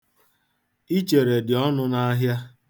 Ichere dị ọnụ n'ahịa.